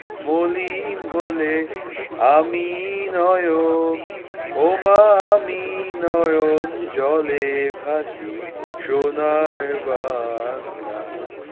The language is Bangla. মলিন হলে ওমা আমি নয়ন ওমা আমি নয়ন জলে ভাসি সোনার বাংলা